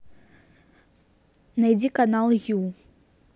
найди канал ю